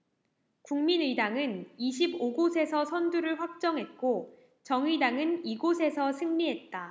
국민의당은 이십 오 곳에서 선두를 확정했고 정의당은 이 곳에서 승리했다